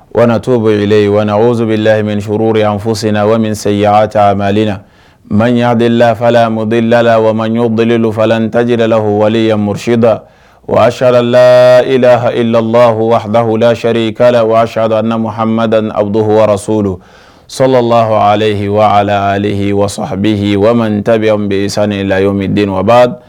Wa tu bɛ wele wa o bɛ layi s de yan fo sen na wa min se ya caman na madlafala mobililalaaa y'ob fala taji lahwamosiwda waaaralalalalalahhalahlahari ka la wahaaada na muhadabudu hwaraso don solaha aleyi wa alehabiyi wa tabiya bɛ san ni layi min den wa